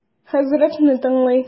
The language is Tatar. Хәзрәтне тыңлый.